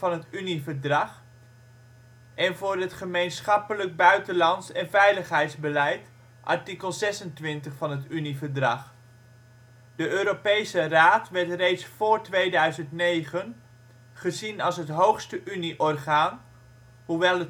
art. 22 Unieverdrag) en voor het gemeenschappelijk buitenlands en veiligheidsbeleid (art. 26 Unieverdrag). De Europese Raad werd reeds voor 2009 gezien als het hoogste Unie-orgaan, hoewel